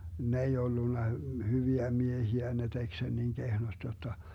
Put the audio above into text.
ne ei ollut hyviä miehiä ne teki sen niin kehnosti jotta